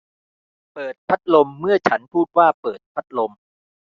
เปิดพัดลมเมื่อฉันพูดว่าเปิดพัดลม